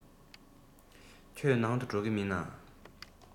ཁྱོད ནང དུ འགྲོ གི མིན ནམ